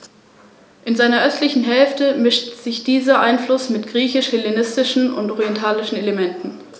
Das „Land der offenen Fernen“, wie die Rhön auch genannt wird, soll als Lebensraum für Mensch und Natur erhalten werden.